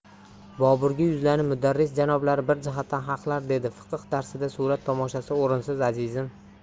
boburga yuzlanib mudarris janoblari bir jihatdan haqlar dedi fiqh darsida surat tomoshasi o'rinsiz azizim